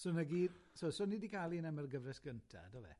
So, 'na gyd, so, so ni 'di ca'l un am yr gyfres gynta, do fe?